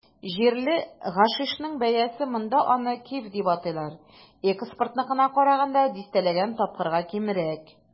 Җирле гашишның бәясе - монда аны "киф" дип атыйлар - экспортныкына караганда дистәләгән тапкырга кимрәк.